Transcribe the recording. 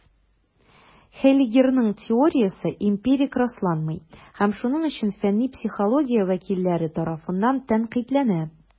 Хеллингерның теориясе эмпирик расланмый, һәм шуның өчен фәнни психология вәкилләре тарафыннан тәнкыйтьләнә.